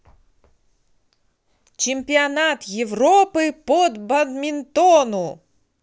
чемпионат европы по бадминтону